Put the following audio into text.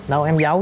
đâu em giấu